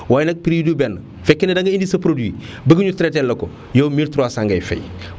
waaye nag prix yi du benn bu fekkee ne da nga indi sa produit bëgg énu traité teel la ko yow 1300 ngay fay